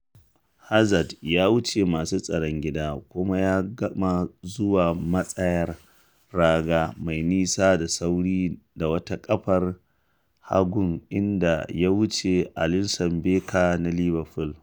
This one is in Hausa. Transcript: Hazard ya wuce masu tsaron gida kuma ya gama zuwa matsayar raga mai nisa da sauri da wata ƙafar hagun inda ya wuce Alisson Becker na Liverpool.